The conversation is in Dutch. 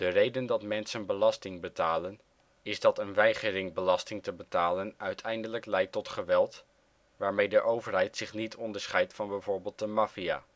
reden dat mensen belasting betalen is dat een weigering belasting te betalen uiteindelijk leidt tot geweld, waarmee de overheid zich niet onderscheidt van bijvoorbeeld de maffia